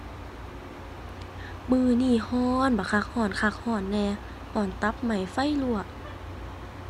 มื้อนี้ร้อนบักคัก ร้อนคักร้อนแน่ ร้อนตับไหม้ไฟลวก